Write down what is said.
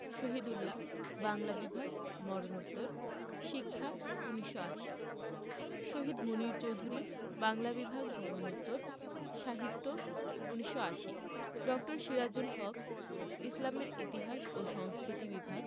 শহীদুল্লাহ বাংলা বিভাগ মরণোত্তর শিক্ষা ১৯৮০ শহীদ মুনীর চৌধুরী বাংলা বিভাগ মরণোত্তর সাহিত্য ১৯৮০ ড. সিরাজুল হক ইসলামের ইতিহাস ও সংস্কৃতি বিভাগ